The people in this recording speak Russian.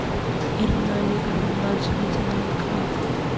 ирина аллегрова младший лейтенант клип